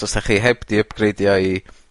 os 'dach chi heb 'di ypgredio i